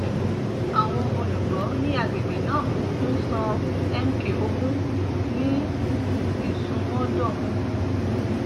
Àwọn olùgbọ́ ní agbègbè náà ń san MK20 (ní ìsúnmọ́dọ̀.